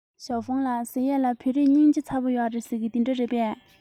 ཞའོ ཧྥུང ལགས ཟེར ཡས ལ བོད རིགས སྙིང རྗེ ཚ པོ ཡོད རེད ཟེར གྱིས རེད པས